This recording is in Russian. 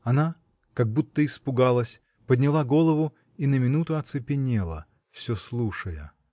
Она, как будто испугалась, подняла голову и на минуту оцепенела, всё слушая.